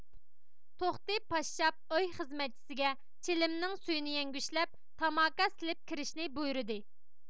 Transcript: توختى پاششاپ ئۆي خىزمەتچىسىگە چىلىمنىڭ سۈيىنى يەڭگۈشلەپ تاماكا سېلىپ كىرىشىنى بۇيرىدى